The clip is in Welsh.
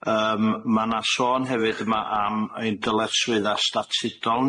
Yym ma' 'na sôn hefyd yma am ein dyletswydda statudol